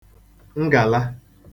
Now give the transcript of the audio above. ngàla